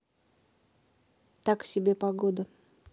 так себе погода